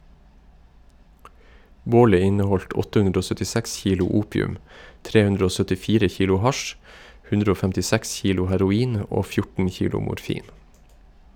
Bålet inneholdt 876 kilo opium, 374 kilo hasj, 156 kilo heroin og 14 kilo morfin.